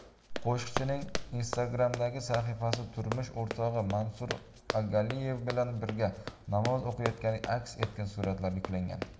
qo'shiqchining instagram'dagi sahifasida turmush o'rtog'i mansur agaliyev bilan birga namoz o'qiyotgani aks etgan suratlar yuklangan